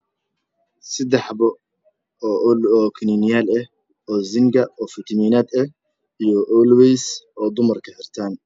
Sadex xabo oo kaniin yaal ah oo zinga oo olwees oo dumarka xirtaan